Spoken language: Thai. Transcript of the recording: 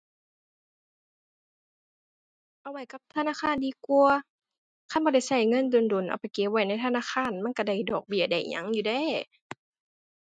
เอาไว้กับธนาคารดีกว่า คันบ่ได้ใช้เงินโดนโดน เอาไปเก็บไว้ในธนาคารมันใช้ได้ดอกเบี้ย ได้หยังอยู่เด้